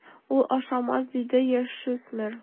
Ул ашамас, - диде яшүсмер.